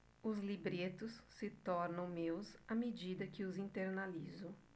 os libretos se tornam meus à medida que os internalizo